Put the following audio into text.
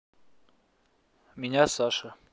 меня саша